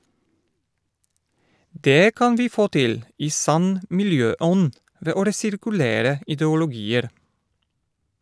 Det kan vi få til, i sann miljøånd, ved å resirkulere ideologier.